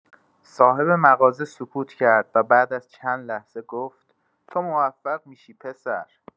صاحب مغازه سکوت کرد و بعد از چند لحظه گفت: «تو موفق می‌شی، پسر!»